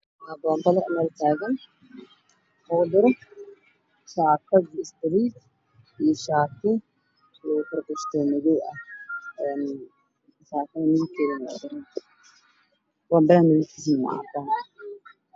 Waa bombale cadaan waxaa suran saako midabkeedu yahay madow qaxwi waana carwo meesha